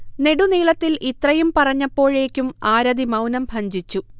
നെടുനീളത്തിൽ ഇത്രയും പറഞ്ഞപ്പോഴേക്കും ആരതി മൗനം ഭഞ്ജിച്ചു